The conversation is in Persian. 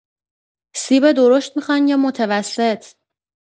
سیب درشت می‌خواین یا متوسط؟